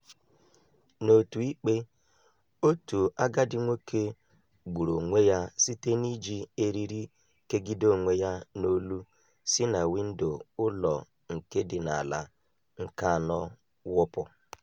N’otu ikpe, otu agadi nwoke gburu onwe ya site n’iji eriri kegide onwe ya n’olu si na windo ụlọ nke dị n’ala nke anọ wụpụ.